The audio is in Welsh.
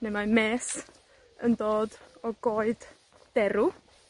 neu mae mes yn dod o goed derw.